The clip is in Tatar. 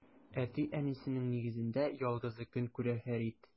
Әти-әнисенең нигезендә ялгызы көн күрә Фәрид.